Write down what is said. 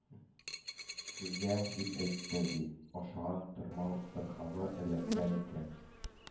Сезгә, — дип әйтте, ди, — ашаган тормау сырхавы эләккән икән,